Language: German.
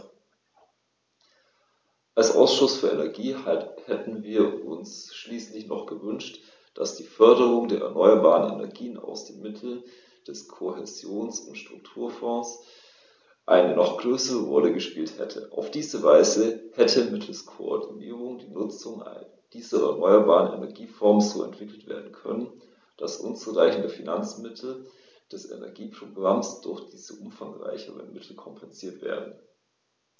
Als Ausschuss für Energie hätten wir uns schließlich noch gewünscht, dass die Förderung der erneuerbaren Energien aus den Mitteln des Kohäsions- und Strukturfonds eine noch größere Rolle gespielt hätte. Auf diese Weise hätte mittels Koordinierung die Nutzung dieser erneuerbaren Energieformen so entwickelt werden können, dass unzureichende Finanzmittel des Energieprogramms durch diese umfangreicheren Mittel kompensiert werden.